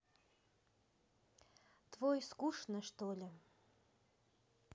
твой скучно что ли